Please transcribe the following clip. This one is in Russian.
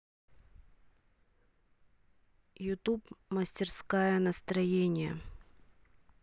ютуб мастерская настроения